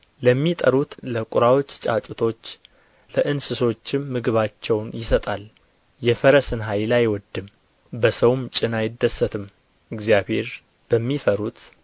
ለሚጠሩት ለቍራዎች ጫጩቶች ለእንስሶችም ምግባቸውን ይሰጣል የፈረስን ኃይል አይወድድም በሰውም ጭን አይደሰትም እግዚአብሔር በሚፈሩት